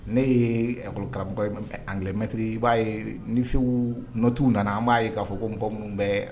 Ne yegolokara ye angɛmɛttiriri i b'a ye nifin nɔtuw nana an b'a ye k'a fɔ ko bɔ minnu bɛɛ